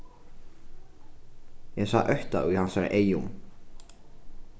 eg sá ótta í hansara eygum